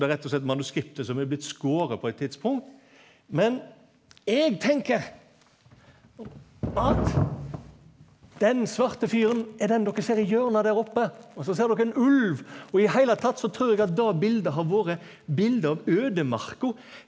det er rett og slett manuskriptet som er blitt skore på eit tidspunkt, men eg tenker at den svarte fyren er den dokker ser i hjørnet der oppe altså ser dokker ein ulv og i heile tatt så trur eg at det bildet har vore bildet av øydemarka.